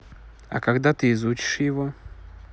а когда ты изучишь его